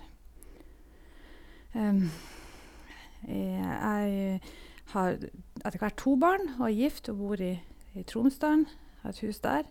Jeg har etter hvert to barn og er gift og bor i i Tromsdalen, har et hus der.